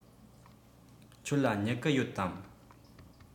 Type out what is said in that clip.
ཁྱོད ལ སྨྱུ གུ ཡོད དམ